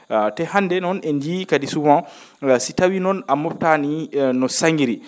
te hannde noon en njiyii kadi souvent si tawii noon a mobtaani no sa?iri